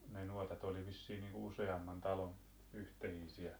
ne nuotat oli vissiin niin kuin useamman talon yhteisiä